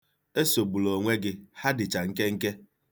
Esogbula onwe gị, ha dịcha nkenke.